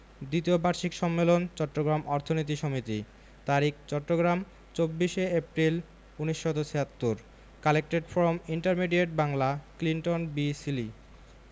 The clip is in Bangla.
দ্বিতীয় বার্ষিক সম্মেলন চট্টগ্রাম অর্থনীতি সমিতি তারিখ চট্টগ্রাম ২৪শে April ১৯৭৬ collected from intermediate Bangla Clinton B Seely